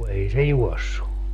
ei se juossut